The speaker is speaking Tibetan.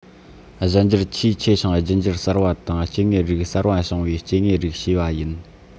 གཞན འགྱུར ཆེས ཆེ ཞིང རྒྱུད འགྱུར གསར པ དང སྐྱེ དངོས རིགས གསར པ བྱུང བའི སྐྱེ དངོས རིགས བྱས པ ཡིན